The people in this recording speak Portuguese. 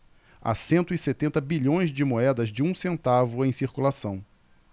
há cento e setenta bilhões de moedas de um centavo em circulação